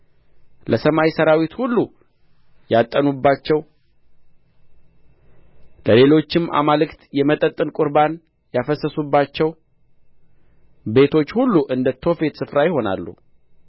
ለሰማይ ሠራዊት ሁሉ ያጠኑባቸው ለሌሎችም አማልክት የመጠጥን ቍርባን ያፈሰሱባቸው ቤቶች ሁሉ እንደ ቶፌት ስፍራ ይሆናሉ